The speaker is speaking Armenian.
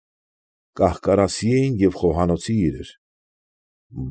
Կահ֊կարասի էին և խոհանոցի իրեր։